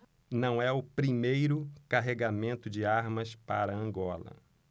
não é o primeiro carregamento de armas para angola